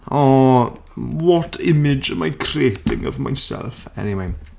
Oh what image am I creating of myself? Anyway.